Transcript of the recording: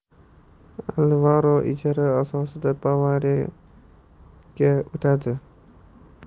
alvaro ijara asosida bavariya ga o'tadi